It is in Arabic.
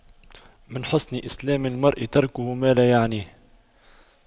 من حسن إسلام المرء تَرْكُهُ ما لا يعنيه